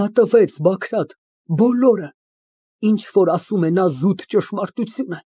Նա տվեց, Բագրատ, բոլորը, ինչ որ ասում է նա ճշմարտություն է։